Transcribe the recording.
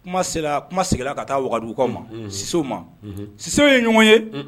Kuma se la, ɲuma seginna ka taa wagadugukaw ma Sisew ma, Sisew ye ɲɔgɔn ye